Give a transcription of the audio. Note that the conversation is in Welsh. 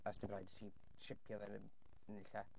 A sdim rhaid i ti shipio fe ddim... nunlle